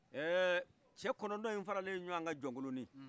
ɛɛ cɛ kɔnɔntɔn in faralen ɲɔgɔn kan jonkolonin